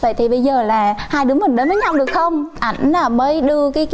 vậy thì bây giờ là hai đứa mình đến với nhau được không ảnh mới đưa cái